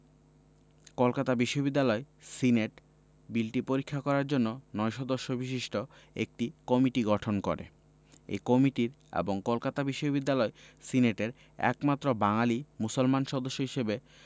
কলকাতা বিশ্ববিদ্যালয় সিনেট বিলটি পরীক্ষা করার জন্য ৯ সদস্য বিশিষ্ট একটি কমিটি গঠন করে এই কমিটির এবং কলকাতা বিশ্ববিদ্যালয় সিনেটের একমাত্র বাঙালি মুসলমান সদস্য হিসেবে